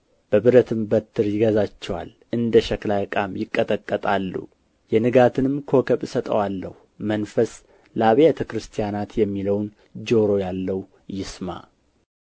በብረትም በትር ይገዛቸዋል እንደ ሸክላ ዕቃም ይቀጠቀጣሉ የንጋትንም ኮከብ እሰጠዋለሁ መንፈስ ለአብያተ ክርስቲያናት የሚለውን ጆሮ ያለው ይስማ